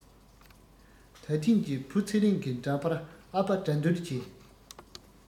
ད ཐེངས ཀྱི བུ ཚེ རིང གི འདྲ པར ཨ ཕ དགྲ འདུལ གྱི